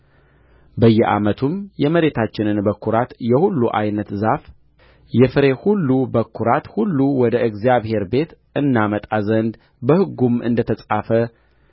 በየዓመቱም የመሬታችንን በኵራት የሁሉ ዓይነት ዛፍ የፍሬ ሁሉ በኵራት ሁሉ ወደ እግዚአብሔር ቤት እናመጣ ዘንድ በሕጉም እንደ ተጻፈ